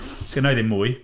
Sgenna i ddim mwy.